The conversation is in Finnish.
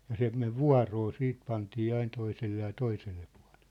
ja se meni vuoroa sitten pantiin aina toiselle ja toiselle puolelle